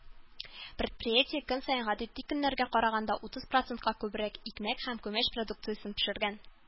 Предприятие көн саен, гадәти көннәргә караганда, утыз процентка күбрәк икмәк һәм күмәч продукциясен пешергән.